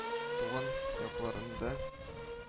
Туган якларында